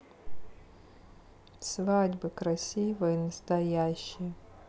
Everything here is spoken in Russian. свадьбы красивые настоящие